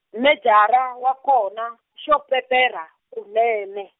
Mejara wa kona, xo peperha, kunene.